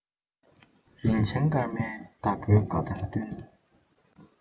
རིན ཆེན སྐར མའི བདག པོའི བཀའ དང བསྟུན